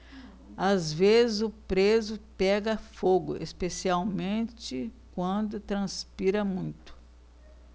às vezes o preso pega fogo especialmente quando transpira muito